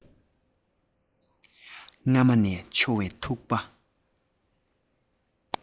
རྫ མ ནས འཕྱོ བའི ཐུག པ